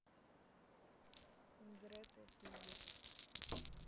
грета туберг